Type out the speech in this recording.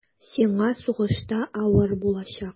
Сиңа сугышта авыр булачак.